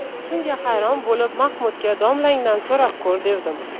shunga hayron bo'lib mahmudga domlangdan so'rab ko'r devdim